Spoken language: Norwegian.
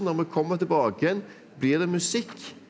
når vi kommer tilbake igjen blir det musikk.